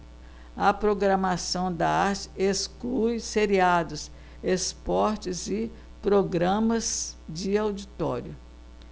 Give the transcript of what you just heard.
a programação da arte exclui seriados esportes e programas de auditório